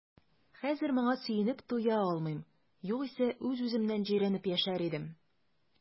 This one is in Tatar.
Хәзер моңа сөенеп туя алмыйм, югыйсә үз-үземнән җирәнеп яшәр идем.